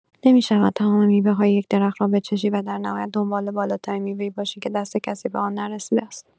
نمی‌شود تمام میوه‌های یک درخت را بچشی و در نهایت دنبال بالاترین میوه‌ای باشی که دست کسی به آن نرسیده است.